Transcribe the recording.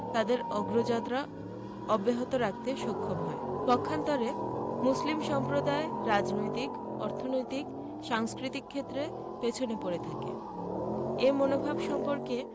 তাদের অগ্রযাত্রা অব্যাহত রাখতে সক্ষম হয় পক্ষান্তরে মুসলিম সম্প্রদায় রাজনৈতিক অর্থনৈতিক ও সাংস্কৃতিক ক্ষেত্রে পেছনে পড়ে থাকে এ মনোভাব সম্পর্কে